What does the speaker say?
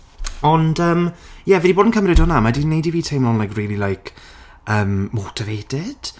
Ond yym ie, fi 'di bod yn cymryd hwnna. Mae di' wneud i fi teimlo'n like, really like yym motivated?